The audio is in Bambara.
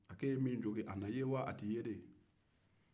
a ye min jogin a na ye wa a tɛ de